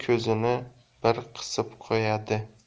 ko'zini bir qisib qo'yadi